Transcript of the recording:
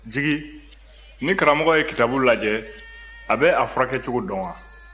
jigi ni karamɔgɔ ye kitabu lajɛ a bɛ a furakɛcogo dɔn wa